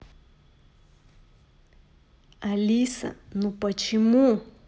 алиса ну почему